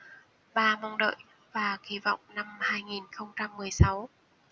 ba mong đợi và kỳ vọng năm hai nghìn không trăm mười sáu